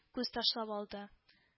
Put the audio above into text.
Күз ташлап алды